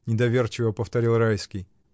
— недоверчиво повторил Райский.